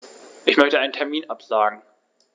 Ich möchte einen Termin absagen.